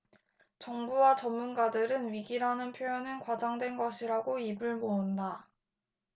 정부와 전문가들은 위기라는 표현은 과장된 것이라고 입을 모은다